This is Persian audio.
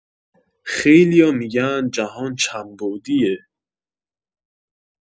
خیلیا می‌گن جهان چند بعدیه